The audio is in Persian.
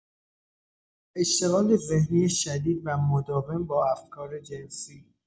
اشتغال ذهنی شدید و مداوم با افکار جنسی